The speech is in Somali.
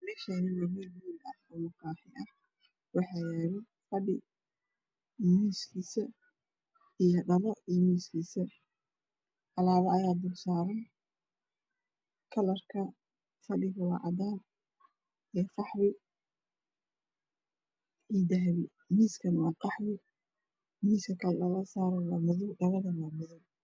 Meshan waa qol waxaa yaal fadhi iyo miskiisa dhalo alalapo ayaa dulsaran kalarka fadhiga waa cadaan iyoiyo dahapi miiskana waa qaxwi miiska kale lasaran waa mado dhaladana waa madow